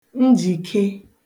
njìke